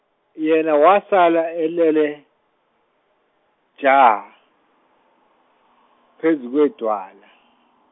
yena wasala elele, ja phezu kwedwala.